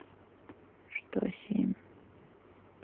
что семь